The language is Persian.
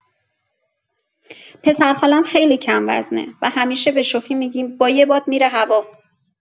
پسرخاله‌م خیلی کم‌وزنه و همیشه به‌شوخی می‌گیم با یه باد می‌ره هوا.